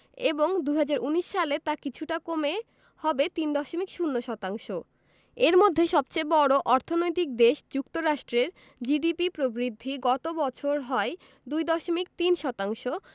এবং ২০১৯ সালে তা কিছুটা কমে হবে ৩.০ শতাংশ এর মধ্যে সবচেয়ে বড় অর্থনৈতিক দেশ যুক্তরাষ্ট্রের জিডিপি প্রবৃদ্ধি গত বছর হয় ২.৩ শতাংশ